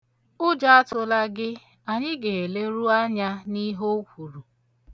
Ụjọ atụla gị, anyị ga-eleru anya n'ihe kwuru.